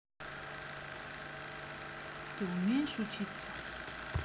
ты умеешь учиться